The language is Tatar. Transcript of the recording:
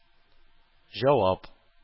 Җавап